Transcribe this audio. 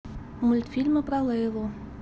мультфильм про лейлу